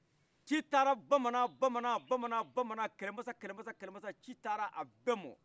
ci taara bamanan bamanan bamanan bamanan kɛlɛ masa kɛlɛ masa kɛlɛ masa kɛlɛ masa ci taara a bɛ ma